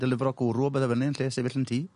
delifro cwrw a pethe fy'' 'ny yn lle sefyll yn tŷ.